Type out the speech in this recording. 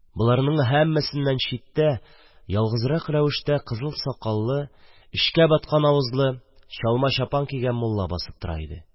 Боларның һәммәсеннән читтә, берьялгызы, кызыл сакаллы, эчкә баткан авызлы, өстенә чалма-чапан кигән мулла басып тора иде...